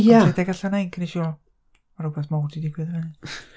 Ond rhedeg allan o inc, wnes i fel, ma' rywbeth mawr 'di digwydd yn fan hyn.